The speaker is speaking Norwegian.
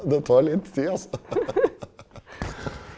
det tar litt tid altså .